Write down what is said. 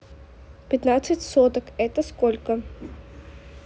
пятнадцать соток это сколько